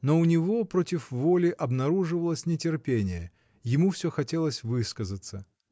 Но у него, против воли, обнаруживалось нетерпение. Ему всё хотелось высказаться.